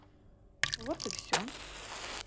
вот и все